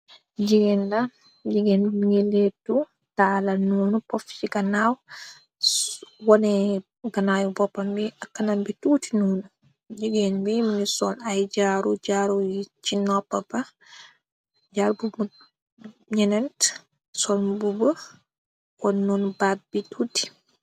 Jgeen la jigéen bi ngi leetu taala noonu pof ci ganaaw wone ganaayu boppambi a kanan bi tuuti nuuna jigéen wi muni soln ay jaaru jaaru yi ci noppa bax jaar bu bu ñeneent solm buba konnoonu baat bi tuuti.